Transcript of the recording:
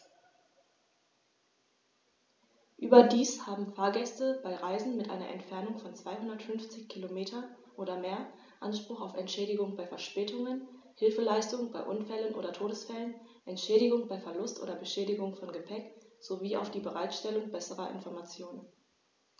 Überdies haben Fahrgäste bei Reisen mit einer Entfernung von 250 km oder mehr Anspruch auf Entschädigung bei Verspätungen, Hilfeleistung bei Unfällen oder Todesfällen, Entschädigung bei Verlust oder Beschädigung von Gepäck, sowie auf die Bereitstellung besserer Informationen.